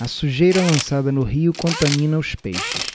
a sujeira lançada no rio contamina os peixes